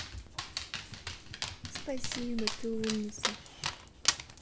спасибо ты умница